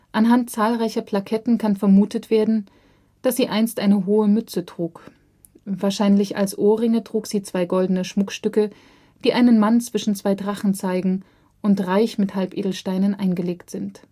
Anhand zahlreicher Plaketten kann vermutet werden, dass sie einst eine hohe Mütze trug. Wahrscheinlich als Ohrringe trug sie zwei goldene Schmuckstücke, die einen Mann zwischen zwei Drachen zeigen und reich mit Halbedelsteinen eingelegt sind